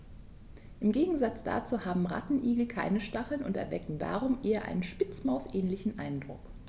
Im Gegensatz dazu haben Rattenigel keine Stacheln und erwecken darum einen eher Spitzmaus-ähnlichen Eindruck.